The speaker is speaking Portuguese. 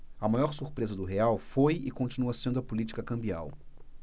a maior surpresa do real foi e continua sendo a política cambial